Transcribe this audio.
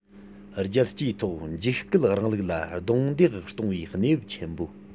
རྒྱལ སྤྱིའི ཐོག འཇིགས སྐུལ རིང ལུགས ལ རྡུང རྡེག གཏོང བའི གནས བབ ཆེན པོ